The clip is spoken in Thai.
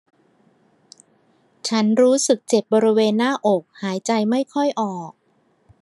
ฉันรู้สึกเจ็บบริเวณหน้าอกหายใจไม่ค่อยออก